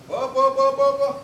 Ban ban ban ban ban